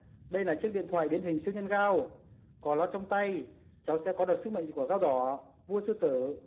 đây là điện thoại biến hình siêu nhân gao cháu sẽ có được sức mịnh của gao đỏ vua sư tử